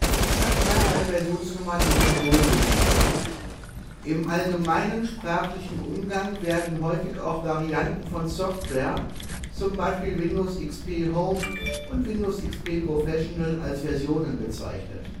hat meist eine Versionsnummer, die mit 0 beginnt. Im allgemeinen sprachlichen Umgang werden häufig auch Varianten von Software (z. B. Windows XP Home und Windows XP Professional) als Versionen bezeichnet